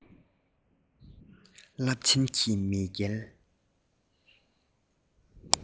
རླབས ཆེན གྱི མེས རྒྱལ